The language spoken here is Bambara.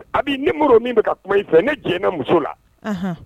A ne muru min bɛ ka kuma i fɛ ne j muso la